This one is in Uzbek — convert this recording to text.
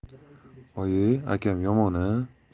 oyi akam yomon a